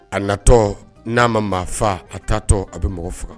A natɔ n'a ma maa faa a t'tɔ a bɛ mɔgɔ faga